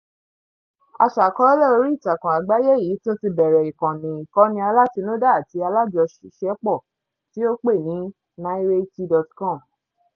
Aṣàkọọ́lẹ̀ oríìtakùn àgbáyé yìí tún ti bẹ̀rẹ̀ ìkànnì ìkọ́ni alátinúdá àti alájọṣiṣẹ́pọ̀ tí ó pè ní 9rayti.com.